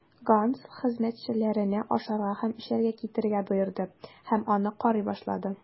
Ганс хезмәтчеләренә ашарга һәм эчәргә китерергә боерды һәм аны карый башлады.